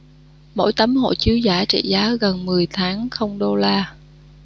mỗi tấm hộ chiếu giả trị giá gần mười tháng không đô la